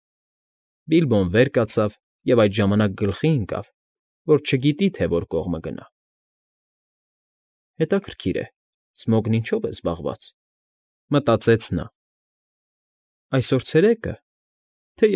Բիլբոն վեր կացավ և այդ ժամանակ գլխի ընկավ, որ չգիտե, թե որ կողմը գնա։ «Հետաքրքիր է, Սմոգն ինչո՞վ է զբաղված,֊ մտածեց նա։֊ Այսօր ցերեկը (թե։